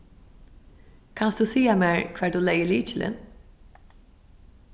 kanst tú siga mær hvar tú legði lykilin